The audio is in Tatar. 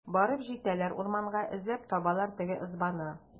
Барып җитәләр урманга, эзләп табалар теге ызбаны.